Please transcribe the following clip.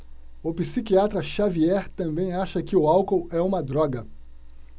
o psiquiatra dartiu xavier também acha que o álcool é uma droga